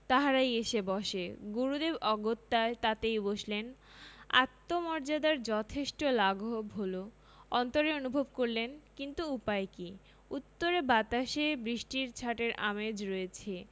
তাহারই এসে বসে গুরুদেব অগত্যা তাতেই বসলেন আত্মমর্যাদার যথেষ্ট লাঘব হলো অন্তরে অনুভব করলেন কিন্তু উপায় কি উত্তরে বাতাসে বৃষ্টির ছাঁটের আমেজ রয়েছে